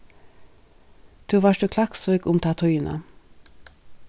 tú vart í klaksvík um ta tíðina